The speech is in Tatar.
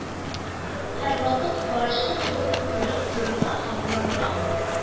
Һәрвакыт карачкы кебек утырып торырга һәм уйланыргамы